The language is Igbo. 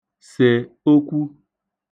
sè okwu